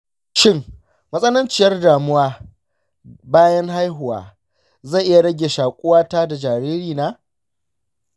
shin matsananciyar damuwa bayan haihuwa zai iya rage shakuwata da jaririna?